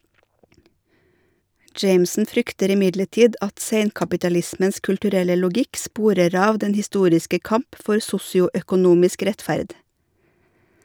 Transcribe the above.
Jameson frykter imidlertid at seinkapitalismens kulturelle logikk sporer av den historiske kamp for sosioøkonomisk rettferd.